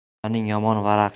mullaning yomoni varaqchi